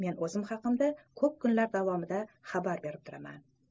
men o'zim haqimda ko'p kunlar davomida xabar berib turaman